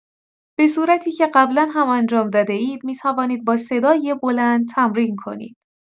به صورتی که قبلا هم انجام داده‌اید، می‌توانید با صدای بلند تمرین کنید.